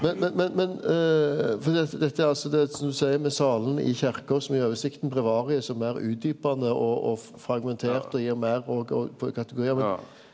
men men men men fordi at dette er altså det som du seier missalen i kyrkja som gjer oversikta breviariet som er meir utdjupande og og og fragmentert og gir meir og og men.